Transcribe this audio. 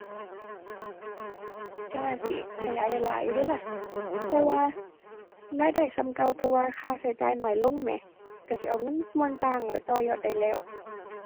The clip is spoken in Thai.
ก็น่าสิขยายได้หลายอยู่เดะล่ะ เพราะว่ารายได้ส่ำเก่าแต่ว่าค่าก็จ่ายน้อยลงแหม ก็สิเอาเงินส่วนต่างล่ะ ไปต่อยอดได้แล้ว